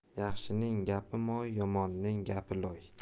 yaxshining gapi moy yomonning gapi loy